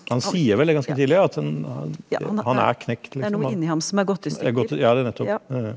han sier vel det ganske tidlig at han han er knekt liksom han som er gått ja det nettopp .